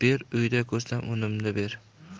uyda ko'rsa unimni ber